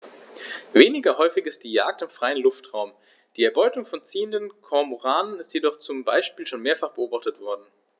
Weniger häufig ist die Jagd im freien Luftraum; die Erbeutung von ziehenden Kormoranen ist jedoch zum Beispiel schon mehrfach beobachtet worden.